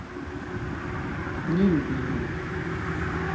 нелюбимый